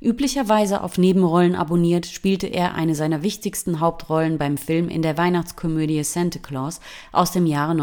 Üblicherweise auf Nebenrollen abonniert, spielte er eine seiner wenigen Hauptrollen beim Film in der Weihnachtskomödie Santa Claus aus dem Jahre 1985